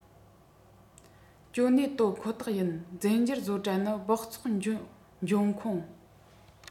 ཅོ ནེ གཏོད ཁོ ཐག ཡིན རྫས འགྱུར བཟོ གྲྭ ནི སྦགས བཙོག འབྱུང ཁུངས